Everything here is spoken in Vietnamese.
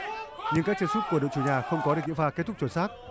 nhưng các chân sút của đội chủ nhà không có được những pha kết thúc chuẩn xác